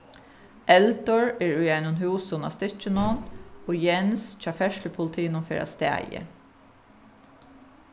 eldur er í einum húsum á stykkinum og jens hjá ferðslupolitinum fer á staðið